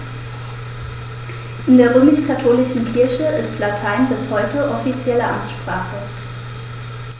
In der römisch-katholischen Kirche ist Latein bis heute offizielle Amtssprache.